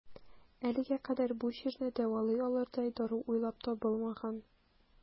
Әлегә кадәр бу чирне дәвалый алырдай дару уйлап табылмаган.